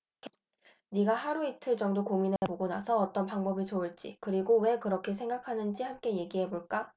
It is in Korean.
네가 하루 이틀 정도 고민해 보고 나서 어떤 방법이 좋을지 그리고 왜 그렇게 생각하는지 함께 얘기해 볼까